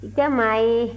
i tɛ maa ye